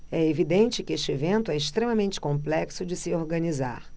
é evidente que este evento é extremamente complexo de se organizar